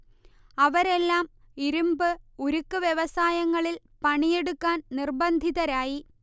അവരെല്ലാം ഇരുമ്പ്, ഉരുക്ക് വ്യവസായങ്ങളിൽ പണിയെടുക്കാൻ നിർബന്ധിതരായി